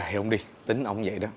kệ ổng đi tính ổng nó dậy đó